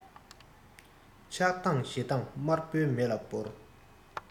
ཆགས སྡང ཞེ སྡང དམར པོའི མེ ལ སྤོར